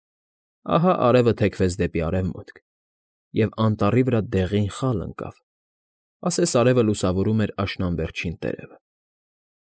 Ահա արևը թեքվեց դեպի արևմուտք և անտառի վրա դեղին խալ ընկավ, ասես արևը լուսավորում էր աշնան վերջին տերևը։